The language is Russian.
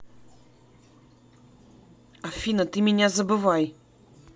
афина ты меня забывай